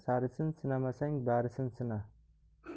sarisin sinamasang barisin sina